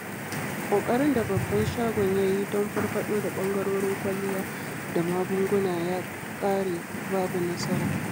Ƙoƙarin da babban shagon ya yi don farfaɗo da ɓangarorin kwalliya da magunguna ya ƙare babu nasara.